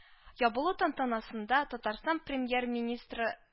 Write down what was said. Ябылу тантанасында Татарстан Премьер-министры